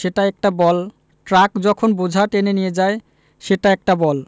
সেটা একটা বল ট্রাক যখন বোঝা টেনে নিয়ে যায় সেটা একটা বল